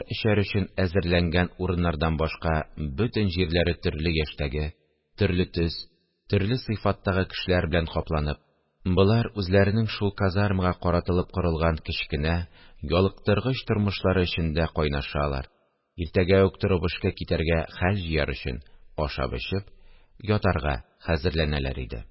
Эчәр өчен хәзерләнгән урыннардан башка бөтен җирләре төрле яшьтәге, төрле төс, төрле сыйфаттагы кешеләр белән капланып, болар үзләренең шул казармага каратылып корылган кечкенә, ялыктыргыч тормышлары эчендә кайнашалар, иртәгә үк торып эшкә китәргә хәл җыяр өчен, ашап-эчеп, ятарга хәзерләнәләр иде